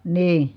niin